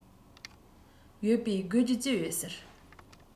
ཡོད པས དགོད རྒྱུ ཅི ཡོད ཟེར